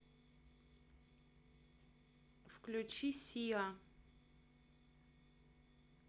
включи сиа